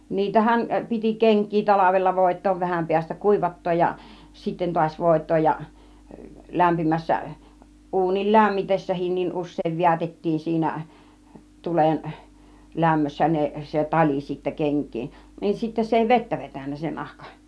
niitähän piti kenkiä talvella voitaa vähän päästä kuivattaa ja sitten taas voitaa ja lämpimässä uunin lämmitessäkin usein vedätettiin siinä tulen lämmössä ne se tali sitten kenkiin niin sitten se ei vettä vetänyt se nahka